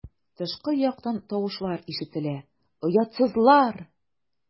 Тышкы яктан тавышлар ишетелә: "Оятсызлар!"